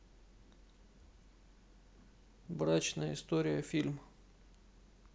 брачная история фильм